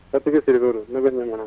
Setigi Sidibe don, ne bɛ ɲɛmana.